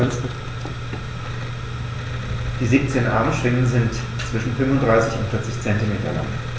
Die 17 Armschwingen sind zwischen 35 und 40 cm lang.